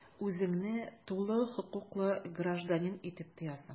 Үзеңне тулы хокуклы гражданин итеп тоясың.